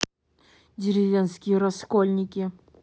деревенские раскольники